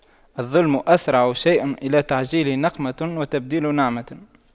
الظلم أسرع شيء إلى تعجيل نقمة وتبديل نعمة